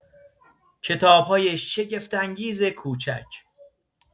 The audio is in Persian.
کتاب‌های شگفت‌انگیز کوچک